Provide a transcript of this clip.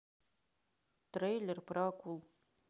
трейлер про акул